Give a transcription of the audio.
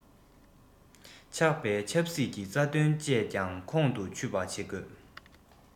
ཆགས པའི ཆབ སྲིད ཀྱི རྩ དོན བཅས ཀྱང ཁོང དུ ཆུད པ བྱེད དགོས